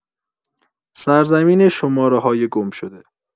سرزمین شماره‌های گمشده